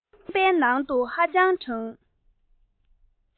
ཁང པའི ནང དུ ཧ ཅང གྲང